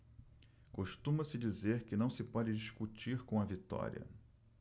costuma-se dizer que não se pode discutir com a vitória